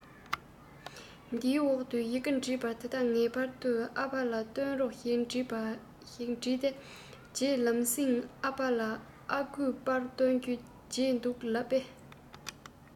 དེའི འོག ཏུ ཡི གེ འདྲ པར དེ དག ངེས པར ཨ ཕ ལ བཏོན རོགས ཞེས པ ཞིག བྲིས དེའི རྗེས ལམ སེང ཨ ཕ ལ ཨ ཁུས པར བཏོན རྒྱུ བརྗེད འདུག ལབ པས